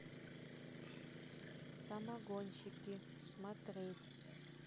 самогонщики смотреть